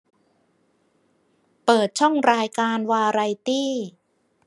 เปิดช่องรายการวาไรตี้